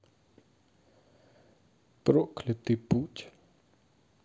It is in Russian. проклятый путь